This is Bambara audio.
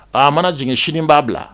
A mana jigin sini b'a bila